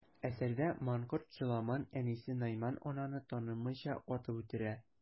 Әсәрдә манкорт Җоламан әнисе Найман ананы танымыйча, атып үтерә.